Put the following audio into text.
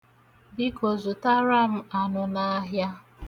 Biko zụtara m anụ n'ahịa.